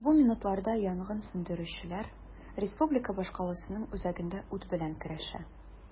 Бу минутларда янгын сүндерүчеләр республика башкаласының үзәгендә ут белән көрәшә.